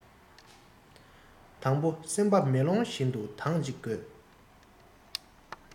དང པོ སེམས པ མེ ལོང བཞིན དུ དྭངས གཅིག དགོས